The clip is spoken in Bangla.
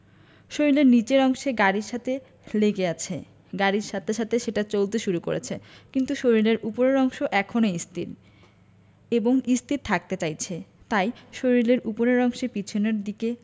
শরীলের নিচের অংশ গাড়ির সাথে লেগে আছে গাড়ির সাথে সাথে সেটা চলতে শুরু করেছে কিন্তু শরীলের ওপরের অংশ এখনো স্থির এবং স্থির থাকতে চাইছে তাই শরীরের ওপরের অংশ পেছনের দিকে